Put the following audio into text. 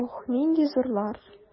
Ох, нинди зурлар!